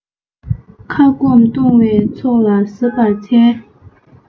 ཁ སྐོམ བཏུང བའི ཚོགས ལ གཟབ པར འཚལ